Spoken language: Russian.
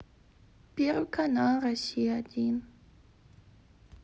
первый канал россия один